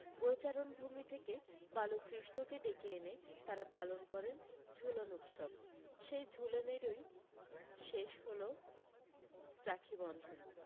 গোচারণভূমি থেকে বালক কৃষ্ণকে ডেকে এনে তাঁরা পালন করেন ঝুলন উৎসব সেই ঝুলনেরৈ শেষ হল রাখিবন্ধন